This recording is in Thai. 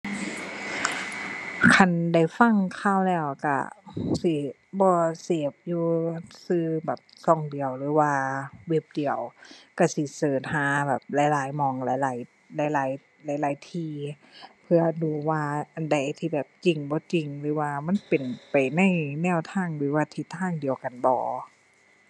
คันได้ฟังข่าวแล้วก็สิบ่เสพอยู่สื่อแบบ ก็เดียวหรือว่าเว็บเดียว ก็สิเสิร์ชหาแบบ หลายหลายหม้อง หลายหลาย หลายหลาย หลายหลายที่ เพื่อดูว่าอันใดที่แบบ จริงบ่จริง หรือว่ามันเป็นไปในแนวทางหรือว่าทิศทางเดียวกันบ่